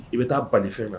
I bɛ taa bafɛn kan